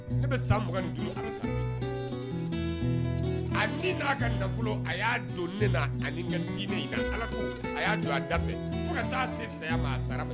Ne bɛ mugan'a ka nafolo a'a don ne natinɛ a'a don a da fɛ fo ka taa se saya sara